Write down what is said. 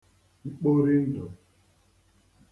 mkporindụ̀